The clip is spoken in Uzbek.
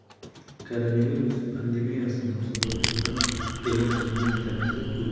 koronavirus pandemiyasi munosabati bilan e'lon qilingan karantin